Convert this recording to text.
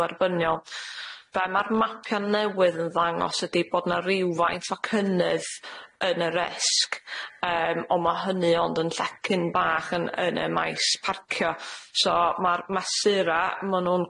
dderbyniol. Be' ma'r mapia' newydd yn ddangos ydi bod 'na rywfaint o cynnydd yn y risg yym on' ma' hynny ond yn llecyn bach yn yn y maes parcio so ma'r mesura ma' nw'n